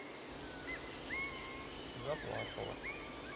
заплакала